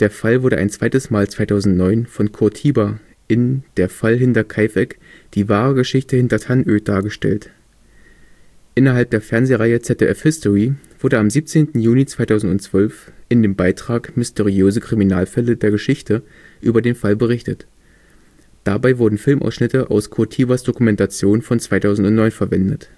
Fall wurde ein zweites Mal 2009 von Kurt Hieber in Der Fall Hinterkaifeck – Die wahre Geschichte hinter Tannöd dargestellt (online bei youtube.com). Innerhalb der Fernsehreihe ZDF-History wurde am 17. Juni 2012 in dem Beitrag Mysteriöse Kriminalfälle der Geschichte über den Fall berichtet. Dabei wurden Filmausschnitte aus Kurt Hiebers Dokumentation von 2009 verwendet